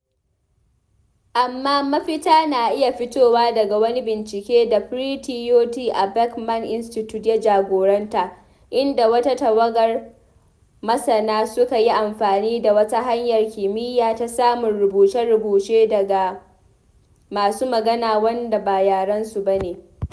Amma mafita na iya fitowa daga wani bincike da Preethi Jyothi a Beckman Institute ya jagoranta, inda wata tawagar masana suka yi amfani da wata hanyar kimiyya ta samun rubuce-rubucen daga masu magana wanda ba yaren su ba ne.